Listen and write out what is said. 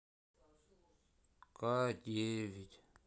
ка девять